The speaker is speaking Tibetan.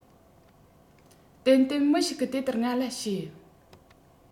ཏན ཏན མི ཞིག གིས དེ ལྟར ང ལ བཤད